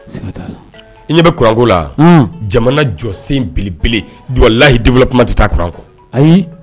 I ɲɛ bɛ kuranko la jamana jɔ sen belebele duglahi den bolo kuma tɛ taa kuran kɔ ayi